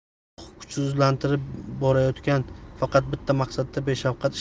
tuproq kuchsizlanib boravergan faqat bitta maqsadda beshafqat ishlatilgan